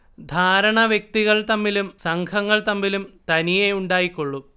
ധാരണ വ്യക്തികൾ തമ്മിലും സംഘങ്ങൾ തമ്മിലും തനിയേ ഉണ്ടായിക്കൊള്ളും